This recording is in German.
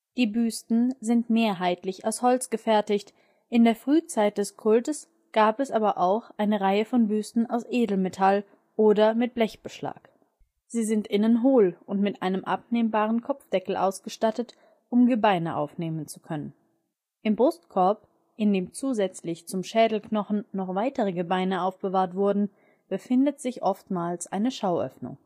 Die Büsten sind mehrheitlich aus Holz gefertigt, in der Frühzeit des Kults gab es auch eine Reihe von Büsten aus Edelmetall oder mit Blechbeschlag. Sie sind innen hohl und mit einem abnehmbaren Kopfdeckel ausgestattet, um Gebeine aufnehmen zu können. Im Brustkorb, in dem zusätzlich zum Schädelknochen weitere Gebeine aufbewahrt wurden, befindet sich oftmals eine Schauöffnung